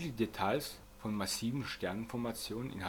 Details von massiven Sternenformationen